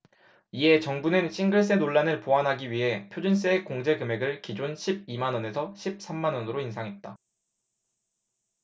이에 정부는 싱글세 논란을 보완하기 위해 표준세액 공제금액을 기존 십 이 만원에서 십 삼 만원으로 인상했다